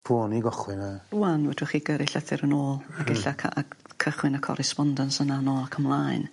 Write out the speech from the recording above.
Pw o'n i'n gychwyn yy. Ŵan fedrwch chi gyrru llythyr yn ôl ac e'lla cy- yy cychwyn y correspondence yna nôl ac ymlaen.